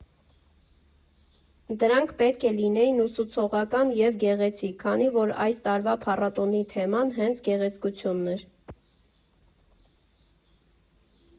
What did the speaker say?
Դրանք պետք է լինեին ուսուցողական և գեղեցիկ, քանի որ այս տարվա փառատոնի թեման հենց գեղեցկությունն էր։